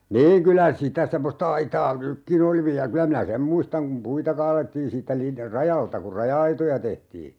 niin kyllä sitä semmoista aitaa nytkin oli vielä kyllä minä sen muistan kun puita kaadettiin siitä - rajalta kun raja-aitoja tehtiin